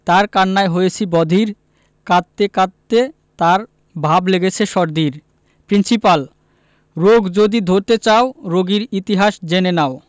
তার কান্নায় হয়েছি বধির কাঁদতে কাঁদতে তার ভাব লেগেছে সর্দির প্রিন্সিপাল রোগ যদি ধরতে চাও রোগীর ইতিহাস জেনে নাও